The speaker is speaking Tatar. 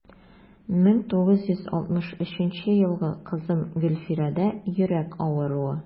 1963 елгы кызым гөлфирәдә йөрәк авыруы.